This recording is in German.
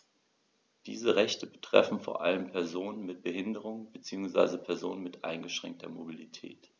Diese Rechte betreffen vor allem Personen mit Behinderung beziehungsweise Personen mit eingeschränkter Mobilität.